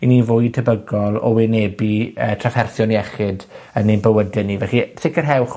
'yn ni fwy tebygol o wynebu yy trafferthion iechyd, yn ein bywyde ni. Felly, sicirhewch